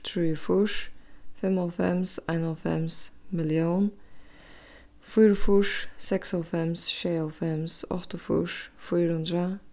trýogfýrs fimmoghálvfems einoghálvfems millión fýraogfýrs seksoghálvfems sjeyoghálvfems áttaogfýrs fýra hundrað